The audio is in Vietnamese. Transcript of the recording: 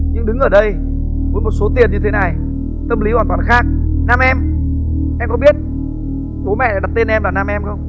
nhưng đứng ở đây với một số tiền như thế này tâm lý hoàn toàn khác nam em em có biết bố mẹ đặt tên em là nam em không